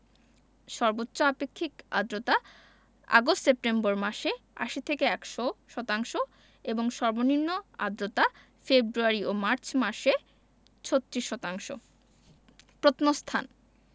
সর্বোচ্চ আপেক্ষিক আর্দ্রতা আগস্ট সেপ্টেম্বর মাসে ৮০ থেকে ১০০ শতাংশ এবং সর্বনিম্ন আর্দ্রতা ফেব্রুয়ারি ও মার্চ মাসে ৩৬ শতাংশ প্রত্নস্থানঃ